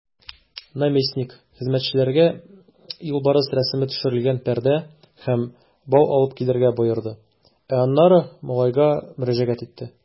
Наместник хезмәтчеләргә юлбарыс рәсеме төшерелгән пәрдә һәм бау алып килергә боерды, ә аннары малайга мөрәҗәгать итте.